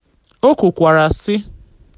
O kwukwara, sị: